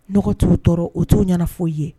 Nɔgɔ t'u tɔɔrɔ o t'u ɲana foyi ye